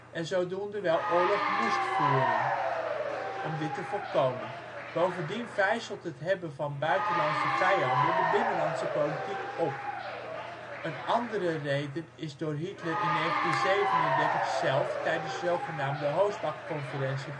en zodoende wel oorlog moest voeren (lees: goederen roven) om dit te voorkomen. Bovendien vijzelt het hebben van buitenlandse vijanden de binnenlandse politiek op. Een andere reden is door Hitler in 1937 zelf tijdens de zogenaamde Hossbach conferentie